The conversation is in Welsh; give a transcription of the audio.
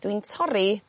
dwi'n torri